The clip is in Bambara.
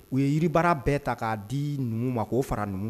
U ye yiri baara bɛɛ ta ka di numuw ma ko fara numu